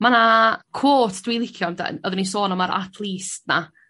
Ma' quote dwi'n licio 'de oddwn i'n sôn am yr 'na